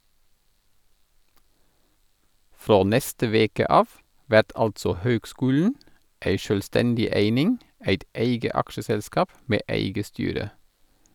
Frå neste veke av vert altså høgskulen ei sjølvstendig eining, eit eige aksjeselskap med eige styre.